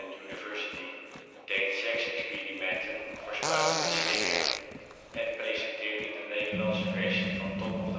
University, deed seksexperimenten voor Spuiten & Slikken en presenteerde de Nederlandse versie van Top of